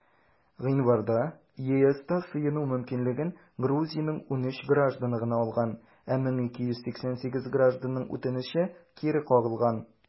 Гыйнварда ЕСта сыену мөмкинлеген Грузиянең 13 гражданы гына алган, ә 1288 гражданның үтенече кире кагылган.